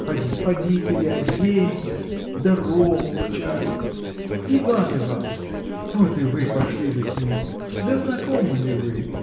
Поди, поди переоденься, — да рому к чаю! — Иван Иваныч! вот и вы пошли бы с ним. Да знакомы ли вы?